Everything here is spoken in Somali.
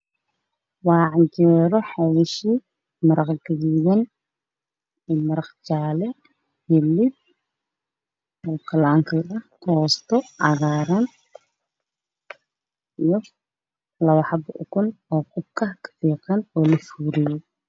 Waa canjeero daafi maraq gaduudan